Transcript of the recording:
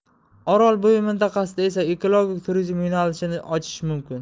orol bo'yi mintaqasida esa ekologik turizm yo'nalishini ochish mumkin